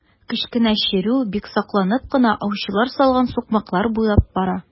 Кечкенә чирү бик сакланып кына аучылар салган сукмаклар буйлап бара.